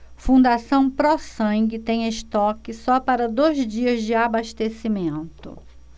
fundação pró sangue tem estoque só para dois dias de abastecimento